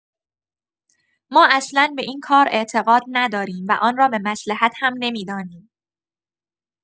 ما اصلا به این کار اعتقاد نداریم و آن را به مصلحت هم نمی‌دانیم.